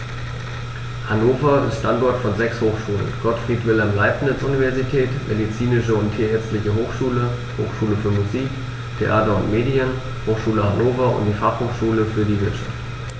Hannover ist Standort von sechs Hochschulen: Gottfried Wilhelm Leibniz Universität, Medizinische und Tierärztliche Hochschule, Hochschule für Musik, Theater und Medien, Hochschule Hannover und die Fachhochschule für die Wirtschaft.